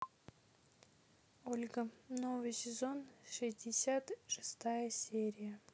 ольга новый сезон шестьдесят шестая серия